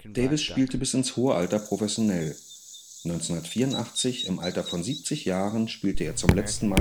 Davis spielte bis ins hohe Alter professionell. 1984, im Alter von 70 Jahren, spielte er zum letzten